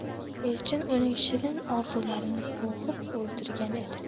elchin uning shirin orzularini bo'g'ib o'ldirgan edi